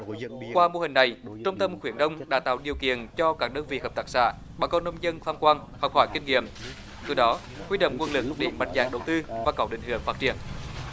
qua mô hình này trung tâm khuyến nông đã tạo điều kiện cho các đơn vị hợp tác xã bà con nông dân tham quan học hỏi kinh nghiệm từ đó huy động nguồn lực mạnh dạn đầu tư và có định hướng phát triển